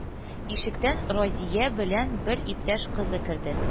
Ишектән Разия белән бер иптәш кызы керде